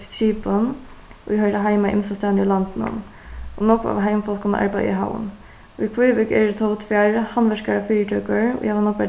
skipum ið hoyra heima ymsastaðni í landinum og nógv av arbeiða í havn í kvívík eru tó tvær handverkarafyritøkur ið hava nógv at